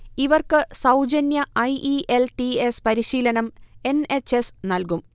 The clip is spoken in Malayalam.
ഇവർക്ക് സൗജന്യ I. E. L. T. S പരിശീലനം എൻ. എച്ച്. എസ് നൽകും